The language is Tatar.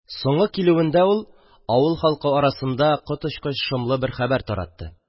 Соңгы килүендә ул авыл халкы арасында коточкыч шомлы бер хәбәр таратты